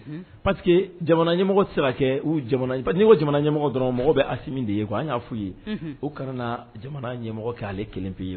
Pa que jamana ɲɛmɔgɔ saraka'i ko jamana ɲɛmɔgɔ dɔrɔn mɔgɔ bɛ a min de ye' an y'a f' ye o kana jamana ɲɛmɔgɔ'ale kelen pe ye